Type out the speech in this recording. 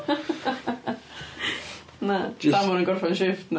Na, tan maen nhw'n gorffen shift nhw.